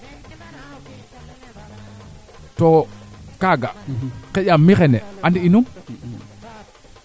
mbarna a ngeekiin fo njeg kee maa ngeekit na keene jega teen kaa demboona o ndik